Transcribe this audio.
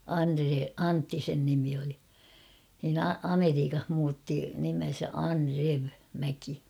- Antti sen nimi oli niin - Amerikassa muutti nimensä Andrew Mäki